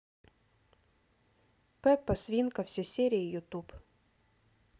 пеппа свинка все серии ютуб